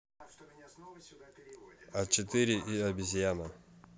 а четыре и обезьяна